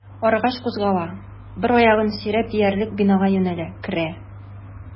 Арыгач, кузгала, бер аягын сөйрәп диярлек бинага юнәлә, керә.